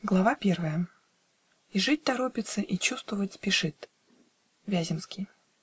ГЛАВА ПЕРВАЯ И жить торопится и чувствовать спешит. Вяземский.